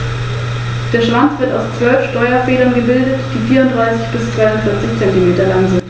In seiner östlichen Hälfte mischte sich dieser Einfluss mit griechisch-hellenistischen und orientalischen Elementen.